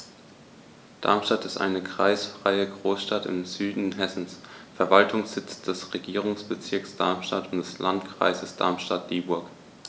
Darmstadt ist eine kreisfreie Großstadt im Süden Hessens, Verwaltungssitz des Regierungsbezirks Darmstadt und des Landkreises Darmstadt-Dieburg.